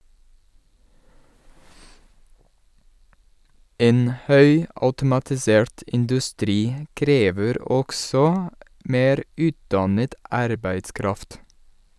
En høyautomatisert industri krever også mer utdannet arbeidskraft.